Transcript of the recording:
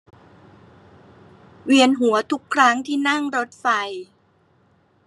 เวียนหัวทุกครั้งที่นั่งรถไฟ